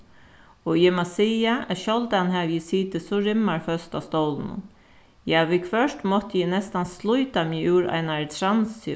og eg má siga at sjáldan havi eg sitið so rimmarføst á stólinum ja viðhvørt mátti eg næstan slíta meg úr einari transu